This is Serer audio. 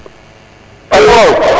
alo waaw